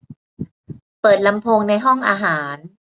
เปิดลำโพงในห้องอาหาร